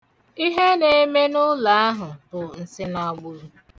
Ihe na-eme n'ụlọ ahụ bụ nsinagbụrụ.